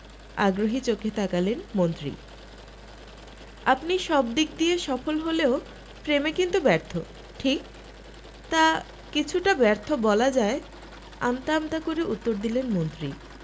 আগ্রহী চোখে তাকালেন মন্ত্রী আপনি সব দিক দিয়ে সফল হলেও প্রেমে কিন্তু ব্যর্থ ঠিক ‘তা কিছুটা ব্যর্থ বলা যায় আমতা আমতা করে উত্তর দিলেন মন্ত্রী